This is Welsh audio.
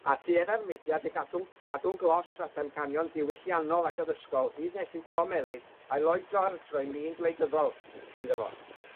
A tuedda'r mudiad i gadw gadw'n glos at amcanion diwylliannol ac addysgol hyd nes i Tom Ellis a i Lloyd George roi min gwleidyddol iddo fo.